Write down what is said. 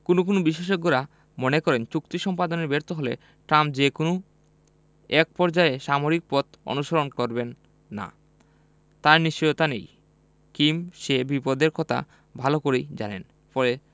কোনো কোনো বিশেষজ্ঞেরা মনে করেন চুক্তি সম্পাদনে ব্যর্থ হলে ট্রাম্প যে কোনো একপর্যায়ে সামরিক পথ অনুসরণ করবেন না তার নিশ্চয়তা নেই কিম সে বিপদের কথা ভালো করেই জানেন ফলে